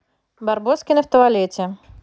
барбоскины в туалете